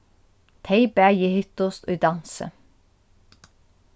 tey bæði hittust í dansi